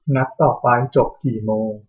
นัดต่อไปจบกี่โมง